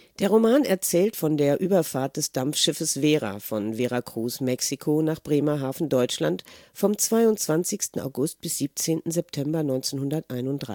Der Roman erzählt von der Überfahrt des Dampfschiffes " Vera " von Veracruz, Mexiko, nach Bremerhaven, Deutschland, vom 22. August bis 17. September 1931. Ein